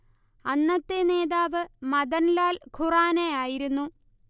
അന്നത്തെ നേതാവ് മദൻ ലാൽ ഖുറാനയായിരുന്നു